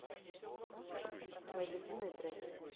мои любимые треки